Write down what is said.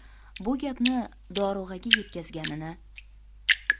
bu gapni dorug'aga yetkazganini